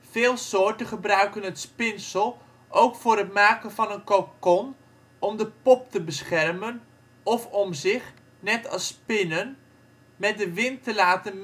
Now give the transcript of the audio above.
Veel soorten gebruiken het spinsel ook voor het maken van een cocon om de pop te beschermen, of om zich, net als spinnen, met de wind te laten